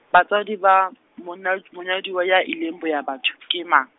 batswadi ba monad-, monyaduwa, ya ileng boya batho ke mang?